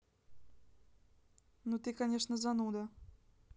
ну ты конечно зануда